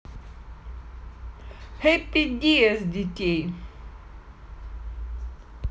happy death детей